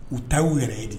U ta y uu yɛrɛ ye di